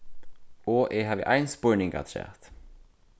og eg havi ein spurning afturat